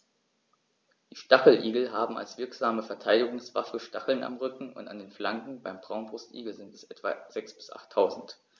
Die Stacheligel haben als wirksame Verteidigungswaffe Stacheln am Rücken und an den Flanken (beim Braunbrustigel sind es etwa sechs- bis achttausend).